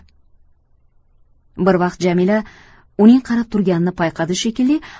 bir vaqt jamila uning qarab turganini payqadi shekilli